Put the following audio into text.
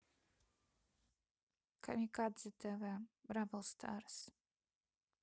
камикадзе тв бравл старс